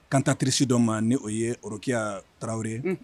Kanta teririsi dɔ ma ni o ye orokiya tarawelew ye